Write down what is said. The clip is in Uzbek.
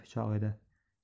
kayfi chog' edi